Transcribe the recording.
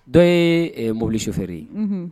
Dɔw ye mobili sufɛri ye